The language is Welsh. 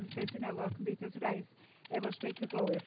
be sy wnelo Cymdeithas yr Iaith efo streic y glowyr.